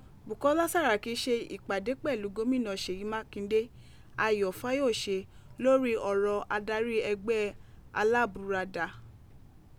Bukọla Saraki ṣe ìpàdé pẹ̀lú gómínà Ṣeyi Makinde, Ayo Fayoṣe lórí ọ̀rọ̀ adarí ẹgbẹ́ Alábùradà